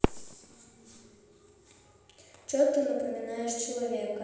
че ты напоминаешь человека